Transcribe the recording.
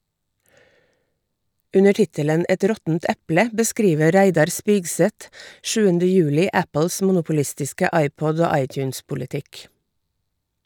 Under tittelen «Et råttent eple» beskriver Reidar Spigseth 7. juli Apples monopolistiske iPod- og iTunes-politikk.